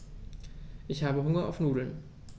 Ich habe Hunger auf Nudeln.